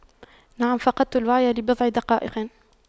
نعم فقدت الوعي لبضع دقائق